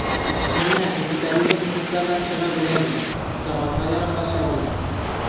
Әнә капитализм кризислардан чыга белә бит, заманга яраклаша белә.